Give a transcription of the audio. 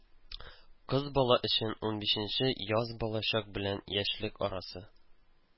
Кыз бала өчен унбишенче яз балачак белән яшьлек арасы.